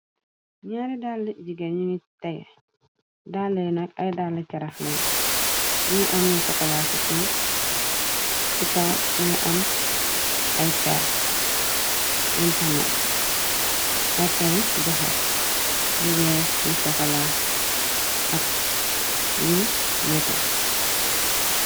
ñaari dàll jiga ñuni te dàll y nak ay dall keraxlee ñungi amlu sokola ci suux ci kaw mangi am aypr utanas ay peri jaxes yu weex yu sokola ak yu nete